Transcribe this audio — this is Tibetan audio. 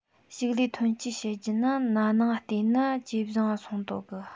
ཕྱུགས ལས ཐོན སྐྱེད བཤད རྒྱུ ན ན ནིང ང བལྟས ན ཇེ བཟང ང སོང ོད གི